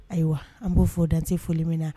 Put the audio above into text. Ayiwa an b'o fɔ dan tɛ foli min na.